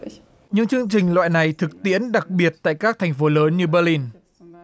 những chương trình loại này thực tiễn đặc biệt tại các thành phố lớn như bơ lin